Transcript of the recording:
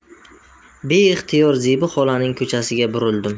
beixtiyor zebi xolaning ko'chasiga burildim